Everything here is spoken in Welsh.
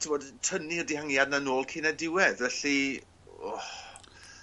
t'wod tynnu y dihangiad 'na nôl cyn y diwedd felly.